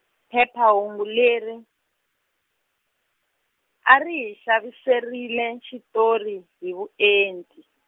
phephahungu leri, a ri hi xaviserile xitori, hi vuenti.